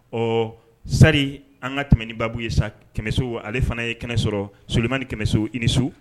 Ɔ sari an ka tɛmɛ ni baabu ye sa kɛmɛso ale fana ye kɛmɛ sɔrɔ solilima ni kɛmɛso i nisu